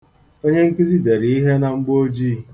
Onye nkụzi dere ihe na mgboojii.